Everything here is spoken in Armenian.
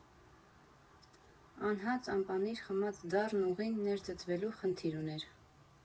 Անհաց֊անպանիր խմած դառն օղին ներծծվելու խնդիր ուներ։